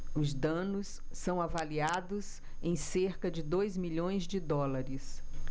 os danos são avaliados em cerca de dois milhões de dólares